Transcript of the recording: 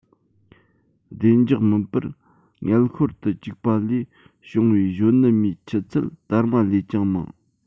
བདེ འཇགས མིན པར མངལ ཤོར དུ བཅུག པ ལས བྱུང བའི གཞོན ནུ མའི འཆི ཚད དར མ ལས ཀྱང མང